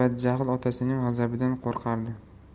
badjahl otasining g'azabidan qo'rqardi